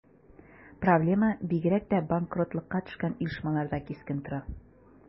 Проблема бигрәк тә банкротлыкка төшкән оешмаларда кискен тора.